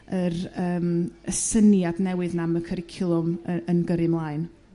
yr yrm y syniad newydd 'na am y cwricwlwm y- yn gyrru 'mlaen.